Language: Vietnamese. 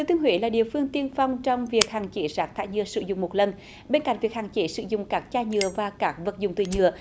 thiên huế là địa phương tiên phong trong việc hạn chế rác thải nhựa sử dụng một lần bên cạnh việc hạn chế sử dụng các chai nhựa và các vật dụng từ nhựa